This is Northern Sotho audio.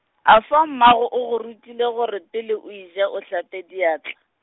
afa mmago o go rutile gore pele o i ya, o hlape diatla?